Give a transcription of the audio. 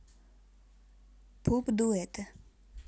попдуэты